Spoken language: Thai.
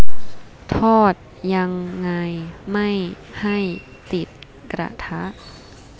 ทอดยังไงไม่ให้ติดกระทะ